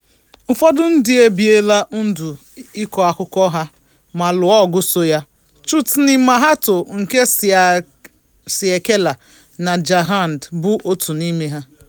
Ụfọdụ ndị ebiela ndụ ịkọ akụkọ ha ma lụọ ọgụ so ya. Chutni Mahato nke Saraikela na Jharkhand bụ otu n'ime ha.